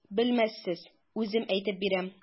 Белмәссез, үзем әйтеп бирәм.